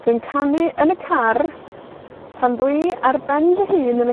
Dwi'n canu yn y car, pan dw i ar ben fy hun yn y